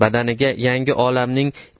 badaniga yangi olamning